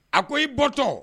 A ko i bɔtɔ